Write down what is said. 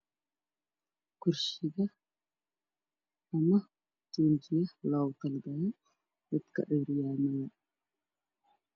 Kursiga ama tunjiga loogu talo galay dadka curyaamada ah